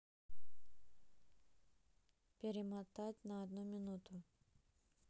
перемотать на одну минуту